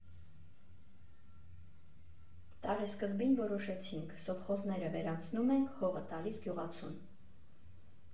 Տարեսկզբին որոշեցինք՝ սովխոզները վերացնում ենք, հողը տալիս գյուղացուն։